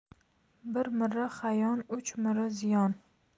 bir miri hayon uch miri ziyon